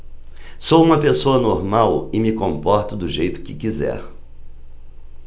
sou homossexual e me comporto do jeito que quiser